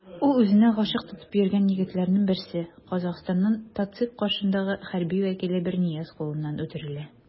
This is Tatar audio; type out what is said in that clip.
Ул үзенә гашыйк тотып йөргән егетләрнең берсе - Казахстанның ТатЦИК каршындагы хәрби вәкиле Бернияз кулыннан үтерелә.